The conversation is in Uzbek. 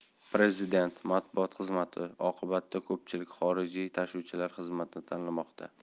prezident matbuot xizmati oqibatda ko'pchilik xorijiy tashuvchilar xizmatini tanlamoqda